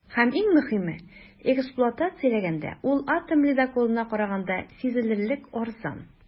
Һәм, иң мөһиме, эксплуатацияләгәндә ул атом ледоколына караганда сизелерлек арзан.